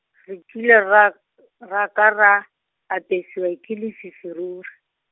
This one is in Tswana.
re kile ra r-, ra ka ra, apesiwa ke lefifi ruri.